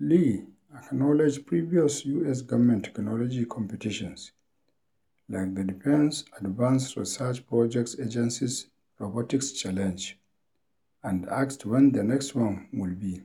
Lee acknowledged previous U.S. government technology competitions like the Defense Advanced Research Projects Agency's Robotics Challenge and asked when the next one would be,